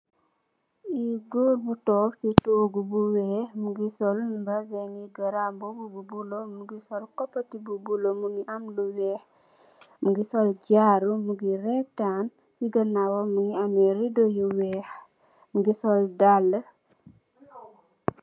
Lii gorre bu tok cii tohgu bu wekh, mungy sol mbazin ngi grandmbuba bu bleu, mungy sol copoti bu bleu, mungy am lu wekh, mungy sol jaarou, mungy retan, cii ganawam mungy ameh ridoh yu wekh, mungy sol daalah.